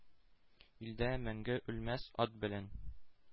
Илдә мәңге үлмәс ат белән